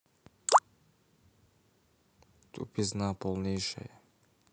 тупизна полнейшая